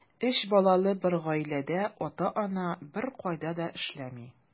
Өч балалы бер гаиләдә ата-ана беркайда да эшләми.